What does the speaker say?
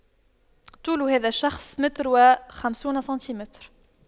طول هذا الشخص متر وخمسون سنتيمتر